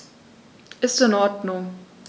Ist in Ordnung.